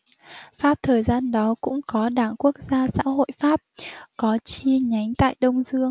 pháp thời gian đó cũng có đảng quốc gia xã hội pháp có chi nhánh tại đông dương